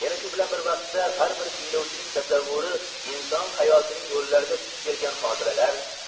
yana shu bilan bir vaqtda har bir tinglovchining tasavvuri inson hayotining yo'llarida duch kelgan xotiralar